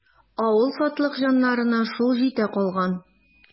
Авыл сатлыкҗаннарына шул җитә калган.